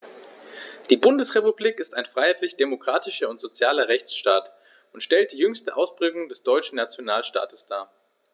Die Bundesrepublik ist ein freiheitlich-demokratischer und sozialer Rechtsstaat und stellt die jüngste Ausprägung des deutschen Nationalstaates dar.